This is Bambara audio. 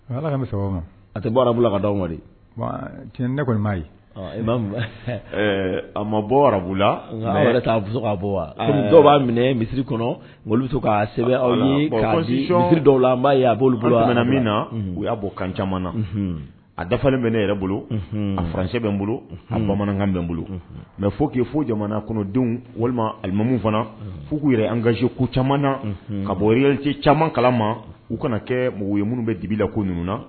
A ala a tɛ bɔ arabu bolola ka ti ne kɔni a ma bɔ arabula yɛrɛ bɔ dɔw b'a minɛ misiri kɔnɔ olu k sɛbɛn dɔw la a b' bolo min na u y'a bɔ kan caman na a dafa bɛ ne yɛrɛ bolo auranransi bɛ n bolo bamanankan bɛ n bolo mɛ fo k'i fo jamana kɔnɔdenw walima alimamu fana f k'u yɛrɛ an kazoku caman na ka bɔy caman kala ma u kana kɛ mugu ye minnu bɛ dibi la ko ninnu na